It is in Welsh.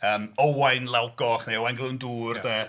Yym Owain Lawgoch neu Owain Glyndwr 'de.